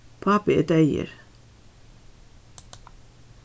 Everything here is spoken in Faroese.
pápi er deyður